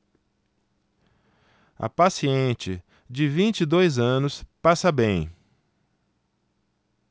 a paciente de vinte e dois anos passa bem